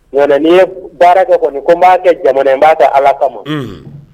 Nka ni ye baarakɛ kɔni ko n b'a kɛ jamana n b'a kɛ ala kama